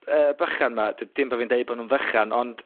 y bychan 'ma, d- dim bo' fi'n deud bo' nw'n fychan ond